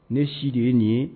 Ne si de ye nin ye